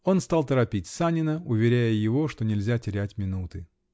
Он стал торопить Санина, уверяя его, что нельзя терять минуты.